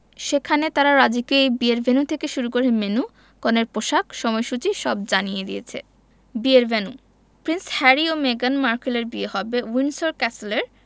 সেখানে তারা রাজকীয় এই বিয়ের ভেন্যু থেকে শুরু করে মেন্যু কনের পোশাক সময়সূচী সব জানিয়ে দিয়েছে বিয়ের ভেন্যু প্রিন্স হ্যারি ও মেগান মার্কেলের বিয়ে হবে উইন্ডসর ক্যাসেলের